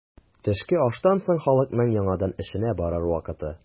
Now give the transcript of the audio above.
Төшке аштан соң халыкның яңадан эшенә барыр вакыты.